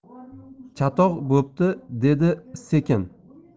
chatoq bo'pti dedi sekin